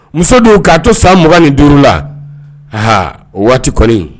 Muso dun k' to sanugan ni duuru la a o waati kɔni